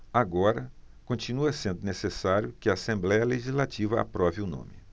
agora continua sendo necessário que a assembléia legislativa aprove o nome